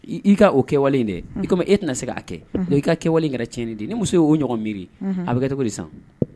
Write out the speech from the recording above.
I ka o kɛwale in dɛ i e tɛna se' kɛ i ka kɛwale in yɛrɛ tiɲɛni di ni muso y oo ɲɔgɔn miiri a bɛ kɛ cogo di san